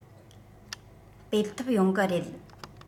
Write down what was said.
སྤེལ ཐུབ ཡོང གི རེད